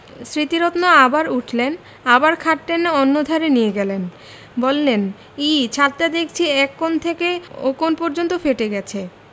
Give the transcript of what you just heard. স্মৃতিরত্ন আবার উঠলেন আবার খাট টেনে অন্যধারে নিয়ে গেলেন বললেন ইঃ ছাতটা দেখচি এ কোণ থেকে ও কোণ পর্যন্ত ফেটে গেছে